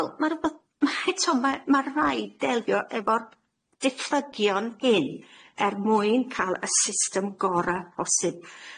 Wel ma' rwbeth ma' eto ma' ma' raid delio efo'r ddiffygion hyn er mwyn ca'l y system gora' posib.